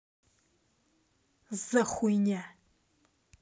за хуйня